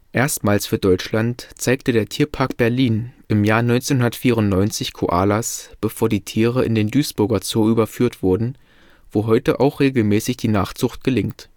Erstmals für Deutschland zeigte der Tierpark Berlin im Jahr 1994 Koalas, bevor die Tiere in den Duisburger Zoo überführt wurden, wo heute auch regelmäßig die Nachzucht gelingt